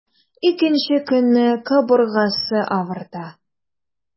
Икенче көнне кабыргасы авырта.